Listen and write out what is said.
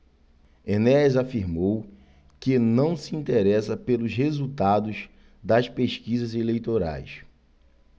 enéas afirmou que não se interessa pelos resultados das pesquisas eleitorais